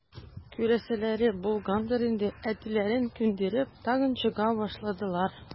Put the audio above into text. Күрәселәре булгандыр инде, әтиләрен күндереп, тагын чыга башладылар.